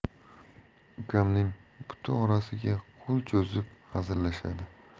ukamning buti orasiga qo'l cho'zib hazillashadi